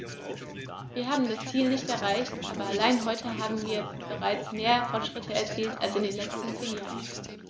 Wir haben das Ziel nicht erreicht, aber allein heute haben wir bereits mehr Fortschritte erzielt als in den letzten zehn Jahren.